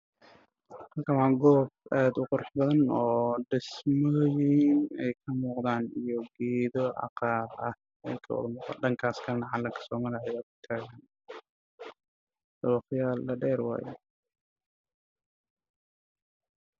Waa meel magaalo ah guryo ayaa ii muuqda iyo geedo farabadan oo is-dulsaaran waana sida